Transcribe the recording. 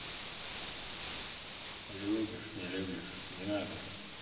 любишь не любишь не надо